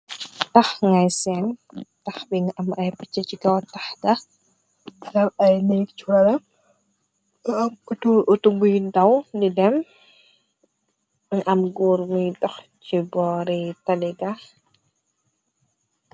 Tax ngay seen tax bi nga am ay pëcci ci kaw tax ga nga am ay nek ci ronam nga am ab auto bi daw di dem am gór muy dox ci bori tali ga.